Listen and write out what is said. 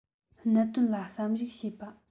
གནད དོན ལ བསམ གཞིག བྱེད པ